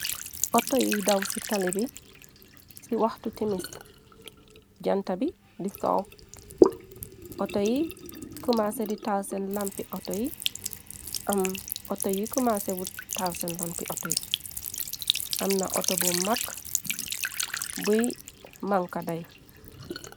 Autor yii daw cii talibi cii wakhtu timis, njantah bii dii sohh, autor yii komaseh dii taal sen lampi autor yii, am autor yii komaseh wut taal sen lampi autor yii, amna autor bu mak bui mankadah yii.